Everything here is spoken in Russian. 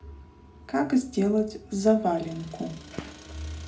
как сделать заваленку